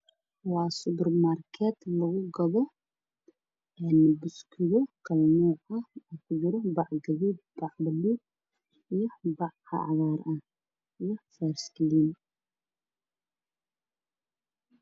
Waa suburmarkat lugu gado buskud kale nuuc ah, oo kujiro bac gaduud, bac buluug, bac cagaar iyo faskiliin.